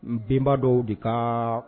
Nbenba dɔw de ka